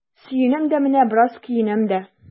Сөенәм дә менә, бераз көенәм дә.